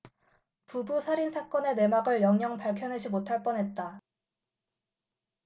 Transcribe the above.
부부 살인 사건의 내막을 영영 밝혀내지 못할 뻔 했다